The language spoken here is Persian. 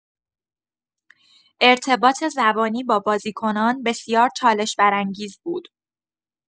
ارتباط زبانی با بازیکنان بسیار چالش‌برانگیز بود.